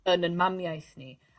yn 'yn mamiaith ni